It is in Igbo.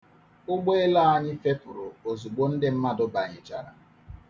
Ụgbọelu anyị fepụrụ ozugbo ndị mmadụ banyechara.